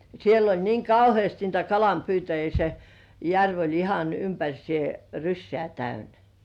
siellä oli niin kauheasti niitä kalanpyytäjiä se järvi oli ihan ympäriinsä rysää täynnä